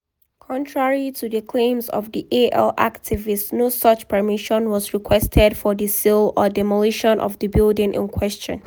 Contrary to the claims of the AL activists, no such permission was requested for the sale or demolition of the building in question.